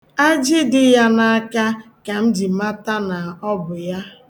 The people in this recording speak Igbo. Ajị dị ya n'aka ka m ji mata na ọ bụ ya.